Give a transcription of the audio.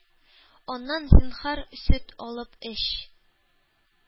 Аннан: “Зинһар, сөт алып эч,